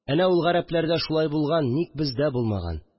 Әнә ул гарәпләрдә шулай булган, ник бездә булмаган